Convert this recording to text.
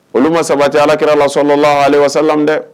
Olu ma sabati alakira la sɔnɔn la ale wasa dɛ